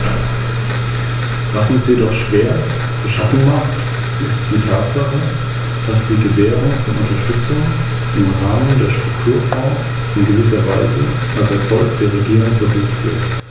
Das bedeutet, dass lokale Gebietskörperschaften und nationale Regierungen bei der Verwendung dieser Mittel eng und partnerschaftlich zusammenarbeiten müssen.